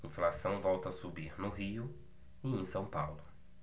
inflação volta a subir no rio e em são paulo